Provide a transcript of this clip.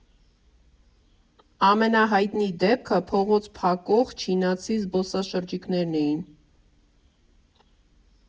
Ամենահայտնի դեպքը փողոց փակող չինացի զբոսաշրջիկներն էին։